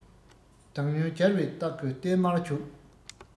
སྦྲང སྨྱོན སྦྱར བས རྟགས བསྐུ ཏིལ མར བྱུགས